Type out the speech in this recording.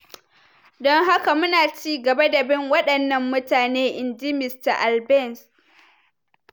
Don haka mu na ci gaba da bin wadannan mutane, "in ji Mr. Albence.